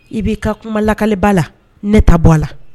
I b'i ka kuma laliba la ne ta bɔ a la